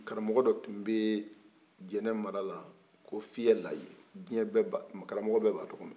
karamɔgɔ dɔ tunbɛ jɛnɛmarala kao fiyɛ laji karamɔgɔ bɛ b'a tɔgɔ mɛ